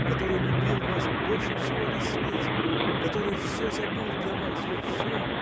который любил вас больше всего на свете который все забыл для вас все.